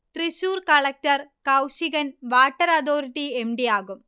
Thrissur collector Kaushigan water authority M. D. യാകും